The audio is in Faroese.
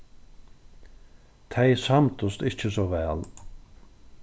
tey samdust ikki so væl